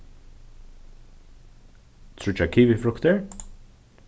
tríggjar kivifruktir